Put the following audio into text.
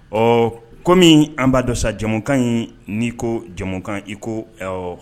Ɔɔ comme an b'a dɔ sa jamukan in n'i ko jamukan i ko ɛ awɔɔ